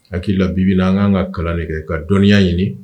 Hakili'i la bibi an kan ka kalanli kɛ ka dɔnniya ɲini